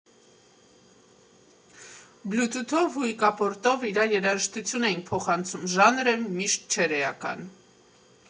Բլութութով ու իկապորտով իրար երաժշտություն էինք փոխանցում, ժանրը միշտ չէր էական։